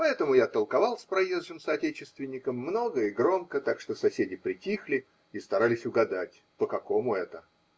Поэтому я толковал с проезжим соотечественником много и громко, так что соседи притихли и старались угадать, по какому это.